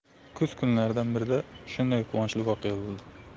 kuz kunlaridan birida shunday quvonchli voqea bo'ldi